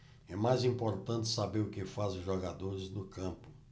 é mais importante saber o que fazem os jogadores no campo